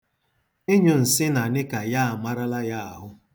Ịnyụ nsị na nịka ya amarala ya ahụ.